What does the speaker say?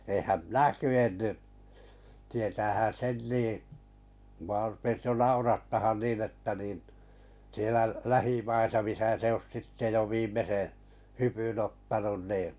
enhän minä kyennyt tietäähän sen niin minua rupesi jo naurattamaan niin että niin siellä lähimaissa missä se olisi sitten jo viimeisen hypyn ottanut niin